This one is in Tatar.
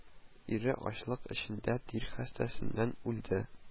Ире ачлык эчендә тир хәстәсеннән үлде